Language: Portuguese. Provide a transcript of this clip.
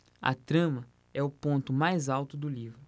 a trama é o ponto mais alto do livro